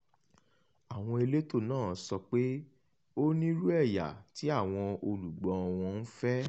Àwọn elétò náà sọ pé ó "nírú ẹ̀yà" tí àwọn olugbọ́ àwọn ń fẹ́.